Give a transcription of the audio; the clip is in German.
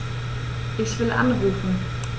Ich will anrufen.